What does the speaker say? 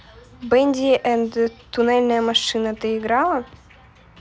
bendy and тунельная машина ты играла